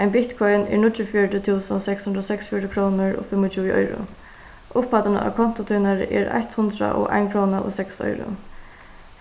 ein bitcoin er níggjuogfjøruti túsund seks hundrað og seksogfjøruti krónur og fimmogtjúgu oyru upphæddin á konto eitt hundrað og ein króna og seks oyru